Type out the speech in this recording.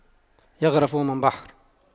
يَغْرِفُ من بحر